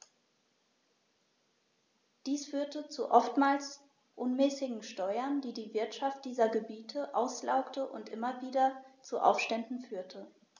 Dies führte zu oftmals unmäßigen Steuern, die die Wirtschaft dieser Gebiete auslaugte und immer wieder zu Aufständen führte.